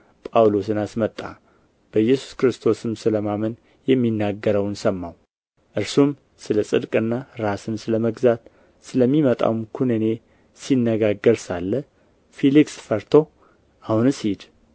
ጳውሎስን አስመጣ በኢየሱስ ክርስቶስም ስለ ማመን የሚናገረውን ሰማው እርሱም ስለ ጽድቅና ራስን ስለ መግዛት ስለሚመጣውም ኵነኔ ሲነጋገር ሳለ ፊልክስ ፈርቶ አሁንስ ሂድ